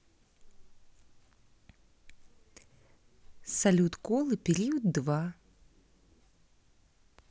салют колы период два